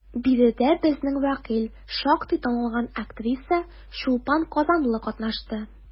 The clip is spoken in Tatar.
Биредә безнең вәкил, шактый танылган актриса Чулпан Казанлы катнашты.